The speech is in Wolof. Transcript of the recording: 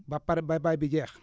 ba pare ba bay bi jeex